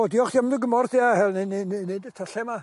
O diolch ti am dy gymorth i a hel- neu neu neu neud y tylle yma.